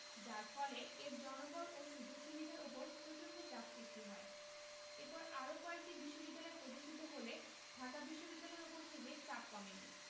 যার ফলে এর জনবল ও সুযোগ সুবিধার ওপর প্রচন্ড চাপ সৃষ্টি হয় এরপর আরও কয়েকটি বিশ্ববিদ্যালয় প্রতিষ্ঠিত হলে ঢাকা বিশ্ববিদ্যালয়ের ওপর থেকে চাপ কমেনি